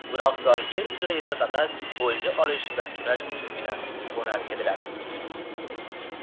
gunohkor yer uzra esa fakat o'lja olish va tunash uchungina qo'nar edilar